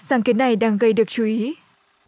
sáng kiến này đang gây được chú ý